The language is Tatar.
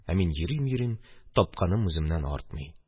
Ә мин йөрим-йөрим – тапканым үземнән артмый.